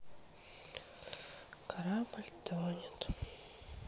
корабль тонет